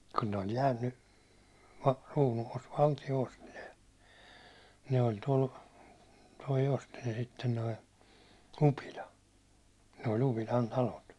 kun ne oli jäänyt kruunuvouti valtio osti ne ne oli tuolla tuo osti ne sitten tuo Upila ne oli Upilan talot